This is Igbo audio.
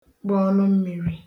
gbụ ọnụmmiri